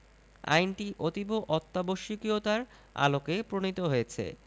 আইনটি অতীব অত্যাবশ্যকীয়তার আলোকে প্রণীত হয়েছে